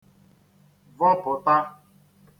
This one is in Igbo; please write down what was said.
vọpụ̀ta